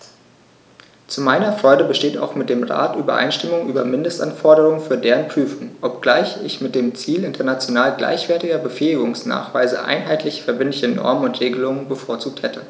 Zu meiner Freude besteht auch mit dem Rat Übereinstimmung über Mindestanforderungen für deren Prüfung, obgleich ich mit dem Ziel international gleichwertiger Befähigungsnachweise einheitliche verbindliche Normen und Regelungen bevorzugt hätte.